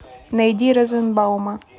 найди розенбаума